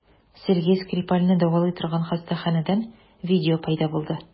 Сергей Скрипальне дәвалый торган хастаханәдән видео пәйда булды.